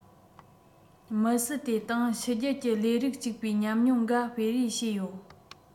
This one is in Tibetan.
མི སྲིད དེ དང ཕྱི རྒྱལ གྱི ལས རིགས གཅིག པའི ཉམས མྱོང འགའ སྤེལ རེས བྱས ཡོད